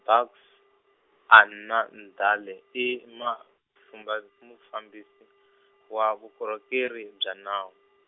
Buks, Annandale i mafambis-, i Mufambisi , wa vukorhokeri bya nawu.